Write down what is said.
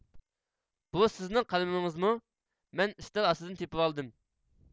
بۇ سىزنىڭ قەلىمىڭىزمۇ مەن ئۈستەل ئاستىدىن تېپىۋالدىم